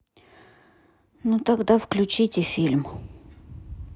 ну тогда включите фильм